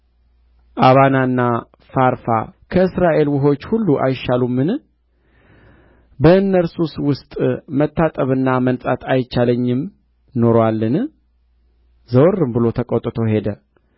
ንዕማን ግን ተቈጥቶ ሄደ እንዲህም አለ እነሆ ወደ እኔ የሚመጣ ቆሞም የአምላኩን የእግዚአብሔርን ስም የሚጠራ የለምጹንም ስፍራ በእጁ ዳስሶ የሚፈውሰኝ መስሎኝ ነበር የደማስቆ ወንዞች